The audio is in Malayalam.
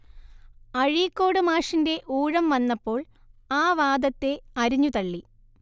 അഴീക്കോട് മാഷിന്റെ ഊഴം വന്നപ്പോൾ ആ വാദത്തെ അരിഞ്ഞുതള്ളി